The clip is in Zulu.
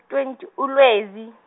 twenty uLwezi.